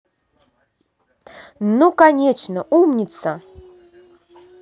ну конечно умница